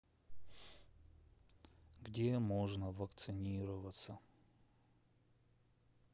где можно вакцинироваться